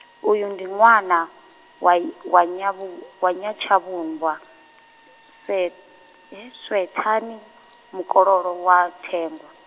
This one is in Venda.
u yu ndi ṅwana, wa wa Nyavhu- wa Nyatshavhungwa, Swe- Swethani, mukololo wa Thengwe.